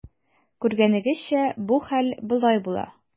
Күргәнегезчә, бу хәл болай була.